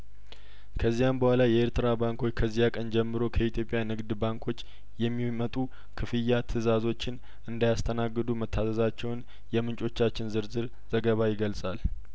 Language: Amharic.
ከዚያም በኋላ የኤርትራ ባንኮች ከዚያቀን ጀምሮ ከኢትዮጵያ ንግድ ባንኮች የሚመጡ ክፍያትእዛዞችን እንዳያስተናግዱ መታዘዛቸውን የምንጮቻችን ዝርዝር ዘገባ ይገልጻል